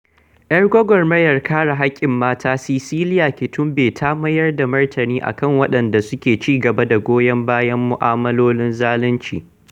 Yar gwagwarmayar kare haƙƙin mata Cecilia Kitombe ta mayar da martani a kan waɗanda suke cigaba da goyon bayan mu'amalolin zalunci: